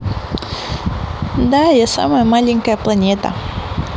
да я самая маленькая планета